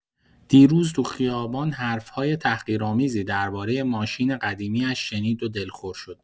دیروز تو خیابان حرف‌های تحقیرآمیزی درباره ماشین قدیمی‌اش شنید و دلخور شد.